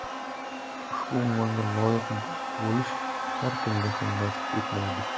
ushbu unvonga loyiq bo'lish har kimga ham nasib etmaydi